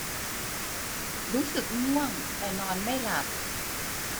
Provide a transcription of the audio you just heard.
รู้สึกง่วงแต่นอนไม่หลับ